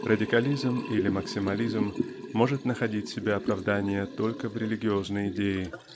Радикализм или максимализм может находить себе оправдание только в религиозной идее